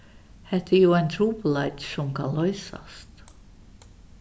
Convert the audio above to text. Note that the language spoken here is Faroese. hetta er jú ein trupulleiki sum kann loysast